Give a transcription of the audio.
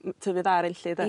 m- tyfu dda ar Enlli 'de?